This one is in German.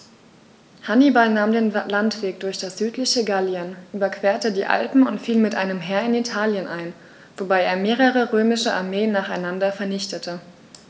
Hannibal nahm den Landweg durch das südliche Gallien, überquerte die Alpen und fiel mit einem Heer in Italien ein, wobei er mehrere römische Armeen nacheinander vernichtete.